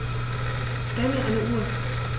Stell mir eine Uhr.